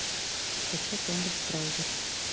скачать яндекс браузер